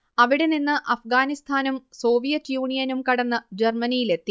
അവിടെ നിന്ന് അഫ്ഗാനിസ്ഥാനും സോവിയറ്റ് യൂണിയനും കടന്ന് ജർമ്മനിയിലെത്തി